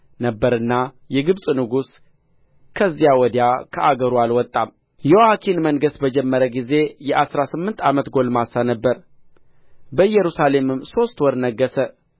ነበርና የግብጽ ንጉሥ ከዚያ ወዲያ ከአገሩ አልወጣም ዮአኪን መንገሥ በጀመረ ጊዜ የአሥራ ስምንት ዓመት ጕልማሳ ነበረ በኢየሩሳሌምም ሦስት ወር ነገሠ